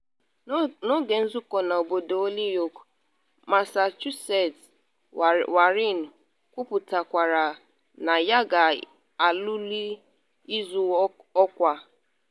N’oge nzụkọ obodo na Holyoke, Massachusetts, Warren kwuputakwara na ya ga-atule ịzọ ọkwa.